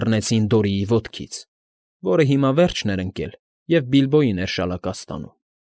Բռնեցին Դորիի ոտքից, որը հիմա վերջն էր ընկել և Բիլբոյին էր շալակած տանում։